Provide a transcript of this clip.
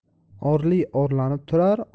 orli orlanib turar